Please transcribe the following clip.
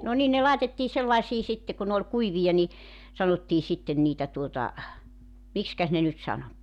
no niin ne laitettiin sellaisiin sitten kun ne oli kuivia niin sanottiin sitten niitä tuota miksikäs ne nyt sanoi